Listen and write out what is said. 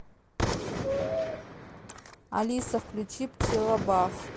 алиса включи пчелобав